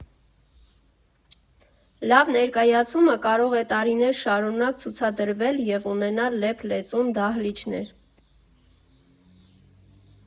Լավ ներկայացումը կարող է տարիներ շարունակ ցուցադրվել և ունենալ լեփ֊լեցուն դահլիճներ։